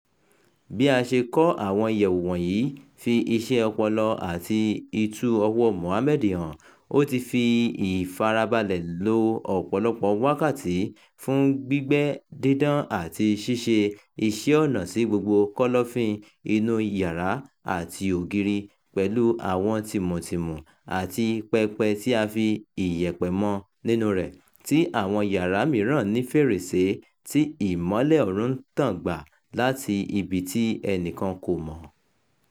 Bí a ṣe kọ́ àwọn ìyẹ̀wù wọ̀nyí fi iṣẹ́ ọpọlọ àti itú ọwọ́ọ Mohammed hàn – ó ti fi ìfarabalẹ̀ lọ ọ̀pọ̀lọpọ̀ wákàtí fún gbígbẹ́, dídán, àti ṣíṣe iṣẹ́ ọnà sí gbogbo kọ́lọ́fín inú iyàrá àti ògiri, pẹ̀lú àwọn tìmùtìmù, àti pẹpẹ tí a fi iyẹ̀pẹ̀ mọ nínúu rẹ̀, tí àwọn yàrá mìíràn ní fèrèsé tí ìmọ́lẹ̀ oòrùn ń tàn gbà láti ibi tí ẹnìkan kò mọ̀.